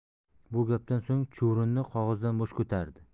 bu gapdan so'ng chuvrindi qog'ozdan bosh ko'tardi